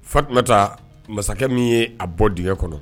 Fa tun bɛ taa masakɛ min ye a bɔ dgɛ kɔnɔ